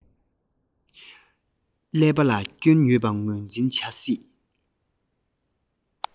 ཀླད པ ལ སྐྱོན ཡོད པ ངོས འཛིན བྱ སྲིད